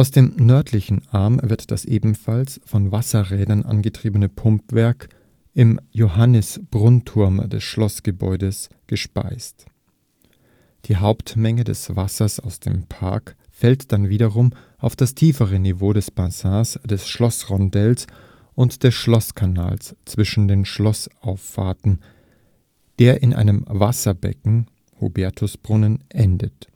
dem nördlichen Arm wird das ebenfalls von Wasserrädern angetriebene Pumpwerk im Johannis-Brunnturm des Schlossgebäudes gespeist. Die Hauptmenge des Wassers aus dem Park fällt dann wiederum auf das tiefere Niveau der Bassins des Schlossrondells und des Schlosskanals zwischen den Schlossauffahrten, der in einem Wasserbecken (Hubertusbrunnen) endet